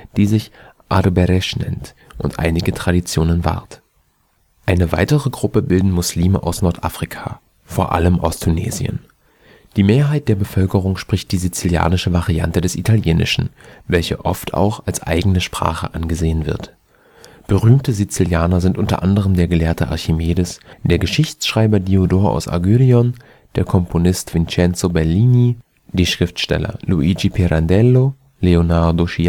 die sich Arbëresh nennt und eigene Traditionen wahrt. Eine weitere Gruppe bilden Muslime aus Nordafrika, vor allem aus Tunesien. Die Mehrheit der Bevölkerung spricht die sizilianische Variante des Italienischen, welche oft auch als eigene Sprache angesehen wird. Berühmte Sizilianer sind unter anderem der Gelehrte Archimedes, der Geschichtsschreiber Diodor aus Agyrion, der Komponist Vincenzo Bellini, die Schriftsteller Luigi Pirandello, Leonardo Sciascia